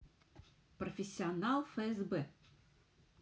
профессионал фсб